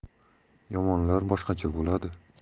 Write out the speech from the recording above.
yomonlar boshqacha bo'ladi